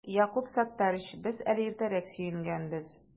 Юк, Якуб Саттарич, без әле иртәрәк сөенгәнбез